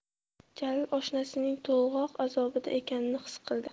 jalil oshnasining to'lg'oq azobida ekanini his qildi